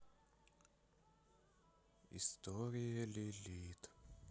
история лилит